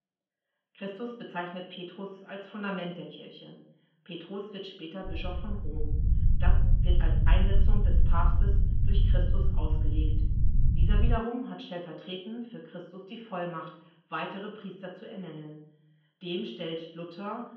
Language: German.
Christus bezeichnet Petrus als Fundament der Kirche. Petrus wird später Bischof von Rom. Das wird als Einsetzung des Papstes durch Christus ausgelegt. Dieser wiederum hat stellvertretend für Christus die Vollmacht, weitere Priester zu ernennen. Dem stellt Luther